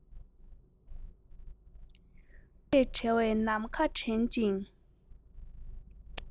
ཐོགས རེག བྲལ བའི ནམ མཁའ དྲན ཅིང